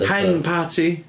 Hen party.